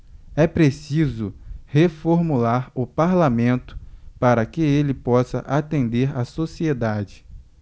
é preciso reformular o parlamento para que ele possa atender a sociedade